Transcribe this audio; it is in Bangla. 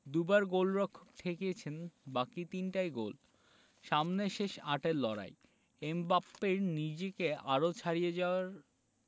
দুবার গোলরক্ষক ঠেকিয়েছেন বাকি তিনটাই গোল সামনে শেষ আটের লড়াই এমবাপ্পের নিজেকে আরও ছাড়িয়ে যাওয়ার